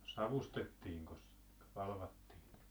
savustettiinkos palvattiin